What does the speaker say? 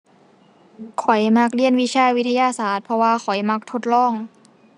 ข้อยมักเรียนวิชาวิทยาศาสตร์ เพราะว่าข้อยมักทดลอง